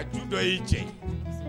A tu dɔ y' tiɲɛ ye